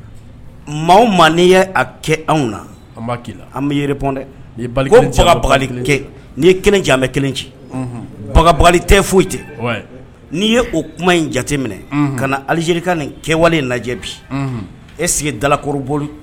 Anw kelen ci tɛ foyi n'i ye o kuma in jate minɛ ka na alizka nin kɛwale lajɛ bi e sigi dalakoro